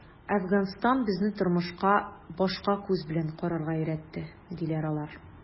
“әфганстан безне тормышка башка күз белән карарга өйрәтте”, - диләр алар.